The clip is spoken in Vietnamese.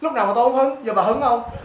lúc đầu bà kêu hông hứng giờ bà hứng hông